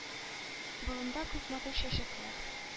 Болында күп матур чәчәкләр,